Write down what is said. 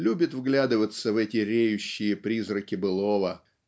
любит вглядываться в эти реющие призраки былого